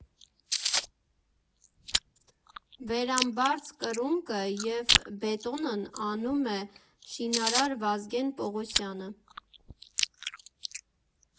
Վերամբարձ կռունկը և բետոնն անում է շինարար Վազգեն Պողոսյանը։